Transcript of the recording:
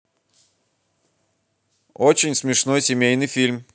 очень смешной семейный фильм